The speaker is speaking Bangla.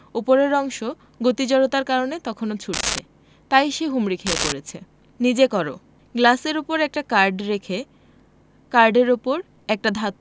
ওপরের অংশ গতি জড়তার কারণে তখনো ছুটছে তাই সে হুমড়ি খেয়ে পড়ছে নিজে করো গ্লাসের উপর একটা কার্ড রেখে কার্ডের উপর একটা ধাতব